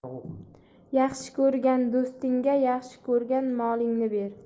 yaxshi ko'rgan do'stingga yaxshi ko'rgan molingni ber